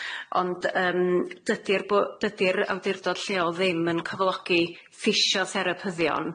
Ond yym dydi'r bw- dydi'r awdurdod lleol ddim yn cyflogi ffisiotherapyddion.